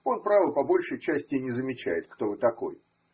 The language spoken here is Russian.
он, право, по большей части и не замечает, кто вы такой.